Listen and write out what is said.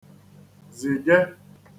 zìge